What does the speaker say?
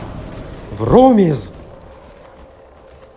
врумиз